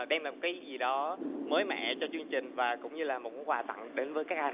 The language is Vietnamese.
đem lại cái gì đó mới mẻ cho chương trình và cũng như là một món quà tặng đến với các anh